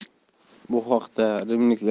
bu haqda rimliklar